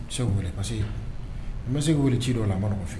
Segu parce que n bɛ se wele ci dɔw o la a ma fɛ